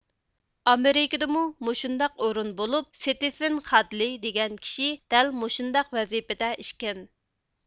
ئامېرىكىدىمۇ مۇشۇنداق ئورۇن بولۇپ ستېفېن خادلېي دېگەن كىشى دەل مۇشۇنداق ۋەزىپىدە ئىكەن